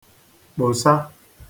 kpòsa